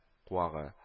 Куагы